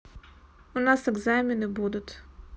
у нас экзамены будут